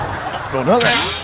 đổ nước